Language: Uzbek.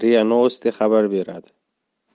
novosti xabar berdi